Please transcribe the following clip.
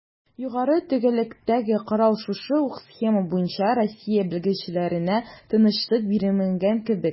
Югары төгәллектәге корал шушы ук схема буенча Россия белгечләренә тынычлык бирмәгән кебек: